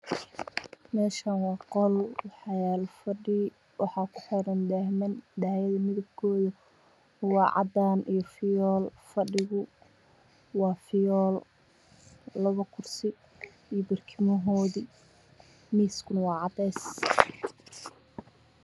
Meeshaan waa qol waxaa yaalo fadhi waxaa kuxiran daahman midabkoodu waa cadaan iyo fiyool, fadhigu waa fiyool, labo kursi iyo barkimood, miiskuna waa cadeys.